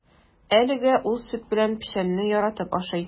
Әлегә ул сөт белән печәнне яратып ашый.